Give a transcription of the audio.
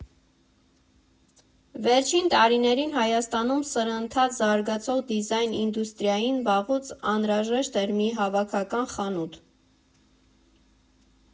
Վերջին տարիներին Հայաստանում սրընթաց զարգացող դիզայն ինդուստրիային վաղուց անհրաժեշտ էր մի հավաքական խանութ։